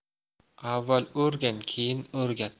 avval o'rgan keyin o'rgat